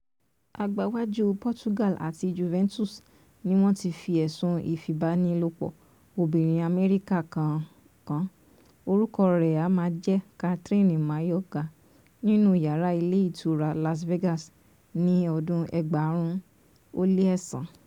Agbáwájú Portugal àti Juventus ni wọ́n ti fi ẹ̀sùn ìfipabánilòpọ̀ obìnrin Amẹ́ríkà kan kàn, orúkọ rẹ́ a máa jẹ́ Kathryn Mayorga, nínú yàra ilé ìtura Las Vegas ní 2009.